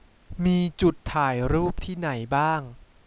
มีจุดถ่ายรูปที่ไหนบ้าง